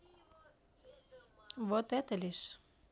вот это лишь